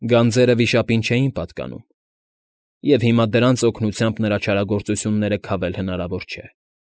Գանձերը վիշապին չէին պատկանում, և հիմա դրանց օգնությամբ նրա չարագործությունները քավել հնարավոր չէ։